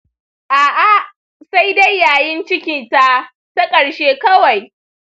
a'a, saidai yayin ciki ta, ta ƙarshe kawai.